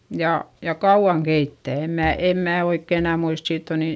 ja ja kauan keittää en minä en minä oikein enää muista siitä on niin